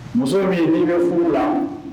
Muso min n'i bɛ furu la